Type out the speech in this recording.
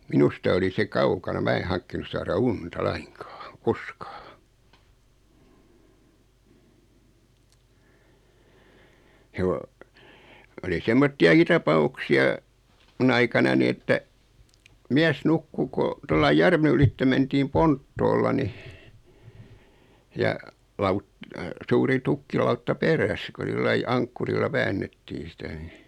minusta oli se kaukana minä en hankkinut saada unta lainkaan koskaan oli semmoisiakin tapauksia minun aikanani että mies nukkui kun tuolla lailla järven ylitse mentiin ponttoolla niin ja - suuri tukkilautta perässä kun sillä lailla ankkurilla väännettiin sitä niin